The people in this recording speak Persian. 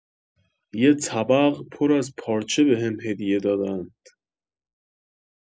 یه طبق پر از پارچه بهم هدیه دادند